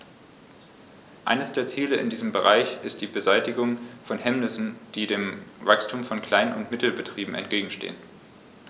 Eines der Ziele in diesem Bereich ist die Beseitigung von Hemmnissen, die dem Wachstum von Klein- und Mittelbetrieben entgegenstehen.